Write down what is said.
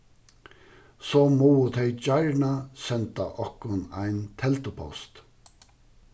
so mugu tey gjarna senda okkum ein teldupost